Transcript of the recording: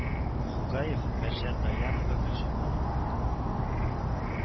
Хугаев , Мәрҗән Даянова Гөлҗамал ыН